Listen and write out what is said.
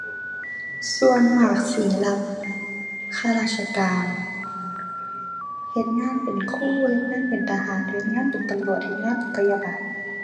ส่วนมากสิรับข้าราชการ เฮ็ดงานเป็นครู เฮ็ดงานเป็นทหาร เฮ็ดงานเป็นตำรวจ เฮ็ดงานเป็นพยาบาล